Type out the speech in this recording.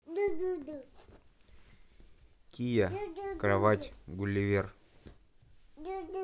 кия кровать гулливер